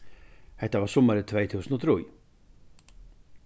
hetta var summarið tvey túsund og trý